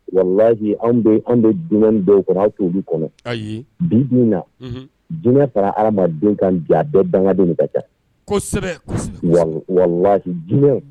Wahi anw bɛ dunan dɔw kɔnɔ aw tu ubi kɔnɔ bi na jinɛinɛ taara hadenwkan diya bɛɛ bange don ka taa kosɛbɛ walahi